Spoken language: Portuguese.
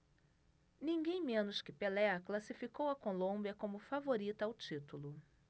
ninguém menos que pelé classificou a colômbia como favorita ao título